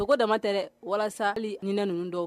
Sogo damama tɛ walas hali ɲin ninnu .dɔw